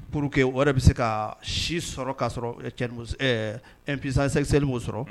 Pur queke wɛrɛ de bɛ se ka si sɔrɔ k kaa sɔrɔ epzsa sɛsɛ seli' sɔrɔ